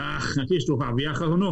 Ach, 'na ti, stwff afiach oedd hwnnw.